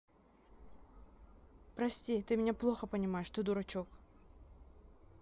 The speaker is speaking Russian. прости ты меня плохо понимаешь ты дурачок